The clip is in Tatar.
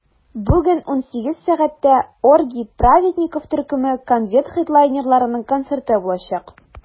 Бүген 18 сәгатьтә "Оргии праведников" төркеме - конвент хедлайнерларының концерты булачак.